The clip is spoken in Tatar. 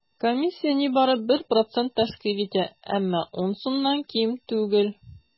Комиссия нибары 1 процент тәшкил итә, әмма 10 сумнан ким түгел.